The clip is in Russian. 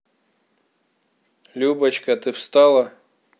любочка ты встала